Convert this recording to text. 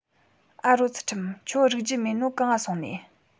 ཨ རོ ཚུལ ཁྲིམས ཁྱོད རིག རྒྱུ མེད ནོ གད ང སོང ནིས